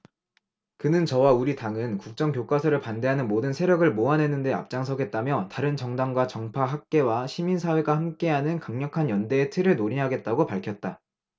그는 저와 우리 당은 국정교과서를 반대하는 모든 세력을 모아내는 데 앞장서겠다며 다른 정당과 정파 학계와 시민사회가 함께하는 강력한 연대의 틀을 논의하겠다고 밝혔다